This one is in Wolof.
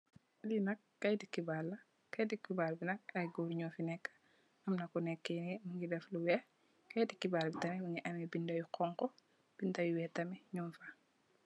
Lii nak kayiti xibaar la, kayiti xibaar bi nak ay góor nyu fi neekë. Am na ñu..am na ku nekké ni mu ngi def lu weex. Kayiti xibaar bi tam mu ngi am bindë yu xoñxu, bindë yu weex tam muñg fa